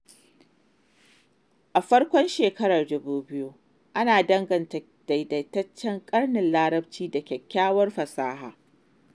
A farkon shekarar 2000, ana danganta daidaitaccen karnin Larabaci da 'kyakkyawar' fasaha.